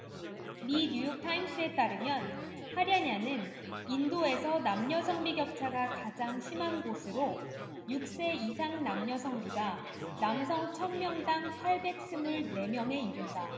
미 뉴욕타임스에 따르면 하랴냐는 인도에서 남녀 성비 격차가 가장 심한 곳으로 육 세 이상 남녀 성비가 남성 천 명당 팔백 스물 네 명에 이른다